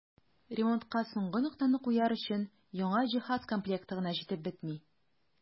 Ремонтка соңгы ноктаны куяр өчен яңа җиһаз комплекты гына җитеп бетми.